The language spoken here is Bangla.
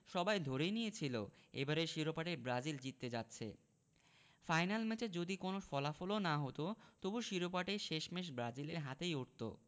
সবাই ধরেই নিয়েছিল এবারের শিরোপাটি ব্রাজিল জিততে যাচ্ছে ফাইনাল ম্যাচে যদি কোনো ফলাফলও না হতো তবু শিরোপাটি শেষমেশ ব্রাজিলের হাতেই উঠত